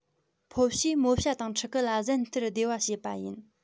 ཕོ བྱས མོ བྱ དང ཕྲུ གུ ལ ཟན སྟེར བདེ བ བྱས པ ཡིན